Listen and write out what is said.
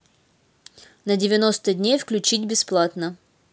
на девяносто дней включить бесплатно